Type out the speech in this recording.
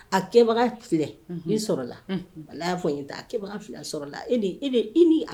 A' kɛbaga filɛ min sɔrɔ la, unhun, wallahi a y'a fɔ n ye ta, a kɛbaga 2 sɔrɔ la,